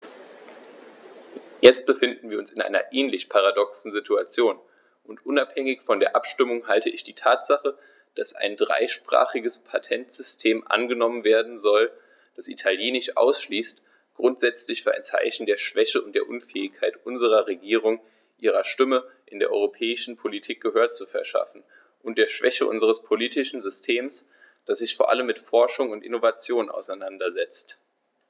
Jetzt befinden wir uns in einer ähnlich paradoxen Situation, und unabhängig von der Abstimmung halte ich die Tatsache, dass ein dreisprachiges Patentsystem angenommen werden soll, das Italienisch ausschließt, grundsätzlich für ein Zeichen der Schwäche und der Unfähigkeit unserer Regierung, ihrer Stimme in der europäischen Politik Gehör zu verschaffen, und der Schwäche unseres politischen Systems, das sich vor allem mit Forschung und Innovation auseinandersetzt.